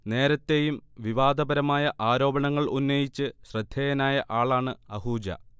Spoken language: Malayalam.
നേരത്തെയും വിവാദപരമായ ആരോപണങ്ങൾ ഉന്നയിച്ച് ശ്രദ്ധേയനായ ആളാണ് അഹൂജ